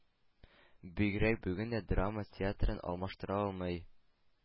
Бигрәк тә бүген драма театрын алмаштыра алмый.